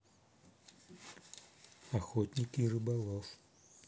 охотник и рыболов